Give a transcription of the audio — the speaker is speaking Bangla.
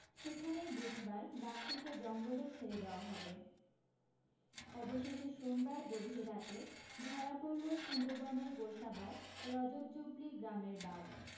সেখানেই বুধবার বাঘটিকে জঙ্গলে ছেড়ে দেওয়া হবে অবশেষে সোমবার গভীর রাতে ধরা পড়লো সুন্দরবনের গোসাবার রজতজুবলি গ্রামের বাঘ